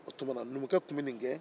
o tuma na numukɛ tun bɛ nin kɛ